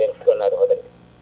nde fuɗɗo nadde hoɗorde